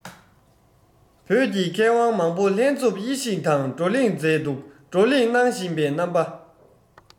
བོད ཀྱི མཁས དབང མང པོ ལྷན འཛོམས དབྱེ ཞིབ དང བགྲོ གླེང མཛད འདུག བགྲོ གླེང གནང བཞིན པའི རྣམ པ